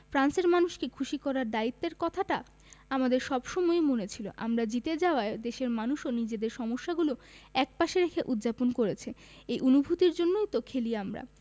ফ্রান্সের মানুষকে খুশি করার দায়িত্বের কথাটা আমাদের সব সময়ই মনে ছিল আমরা জিতে যাওয়ায় দেশের মানুষও নিজেদের সমস্যাগুলো একপাশে রেখে উদ্যাপন করছে এই অনুভূতির জন্যই তো খেলি আমরা